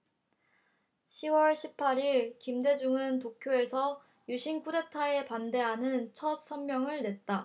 시 월 십 팔 일 김대중은 도쿄에서 유신 쿠데타에 반대하는 첫 성명을 냈다